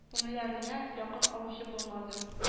Күңелләренә якын алучы булмады